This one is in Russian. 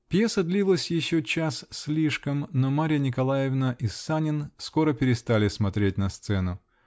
Пьеса длилась еще час с лишком, но Марья Николаевна и Санин скоро перестали смотреть на сцену.